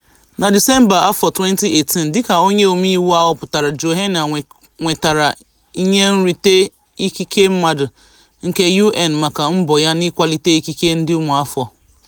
Na Disemba afọ 2018, dịka onye omeiwu a họpụtara, Joenia nwetara ihe nrite ikike mmadụ nke UN maka mbọ ya n'ịkwalite ikike ndị ụmụafọ.